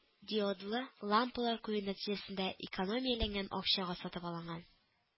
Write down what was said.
Диодлы лампалар кую нәтиҗәсендә экономияләнгән акчага сатып алынган